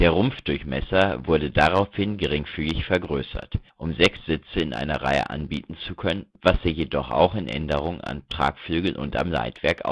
Rumpfdurchmesser wurde daraufhin geringfügig vergrößert, um sechs Sitze in einer Reihe anbieten zu können, was sich jedoch auch in Änderungen am Tragflügel und am Leitwerk